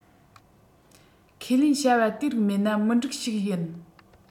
ཁས ལེན བྱ བ དེ རིགས མེད ན མི འགྲིག ཞིག ཡིན